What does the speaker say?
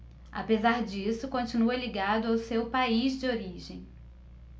apesar disso continua ligado ao seu país de origem